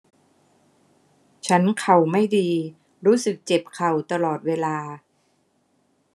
ฉันเข่าไม่ดีรู้สึกเจ็บเข่าตลอดเวลา